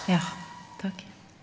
ja takk.